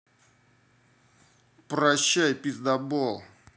прощай пиздабол